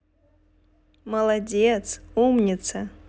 молодец умница